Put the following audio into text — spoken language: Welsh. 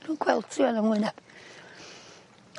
dw'n gweld hi